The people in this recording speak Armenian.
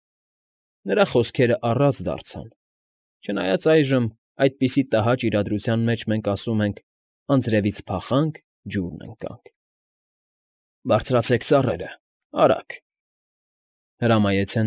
Նրա խոսքերը առած դարձան, չնայած այժմ, այդպիսի տհաճ իրադրության մեջ մենք ասում ենք. «Անձրևից փախանք, ջուրն ընկանք»։ ֊ Բարձրացեք ծառերը, արագ…֊ հրամայեց։